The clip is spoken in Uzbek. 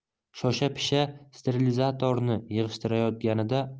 shosha pisha sterilizatorni yig'ishtirayotganida orqa